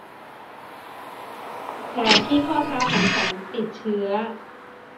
แผลที่ข้อเท้าของฉันติดเชื้อ